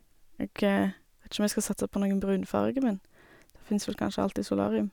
Jeg vet ikke om jeg skal satse på noen brunfarge, men der finnes vel kanskje alltid solarium.